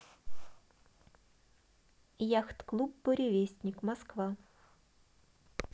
яхт клуб буревестник москва